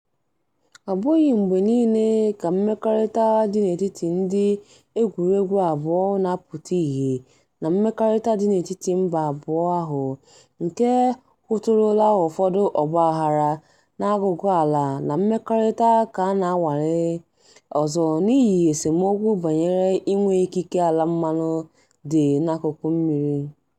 Ọ bụghị mgbe niile ka mmekọrịta dị n'etiti ndị egwuregwu abụọ na-apụta ihe na mmekọrịta dị n'etiti mba abụọ ahụ nke hụtụrụla ụfọdụ ọgbaaghara n'aguguala na mmekọrịta ka a na-anwale ọzọ n'ihi esemokwu banyere inwe ikike ala mmanụ dị n'akụkụ mmiri.